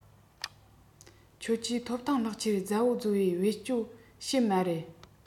ཁྱེད ཀྱིས ཐོབ ཐང ལག ཁྱེར རྫབ བེ རྫོབ བེ བེད སྤྱོད བྱེད མ རེད